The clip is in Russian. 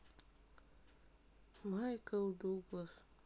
майкл дуглас